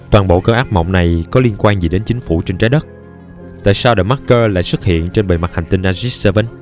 toàn bộ cơn ác mộng này có liên quan gì đến chính phủ trên trái đất tại sao the marker lại xuất hiện trên bề mặt hành tinh aegis vii